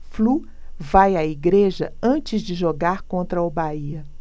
flu vai à igreja antes de jogar contra o bahia